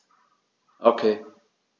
Okay.